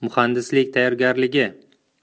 muhandislik tayyorgarligi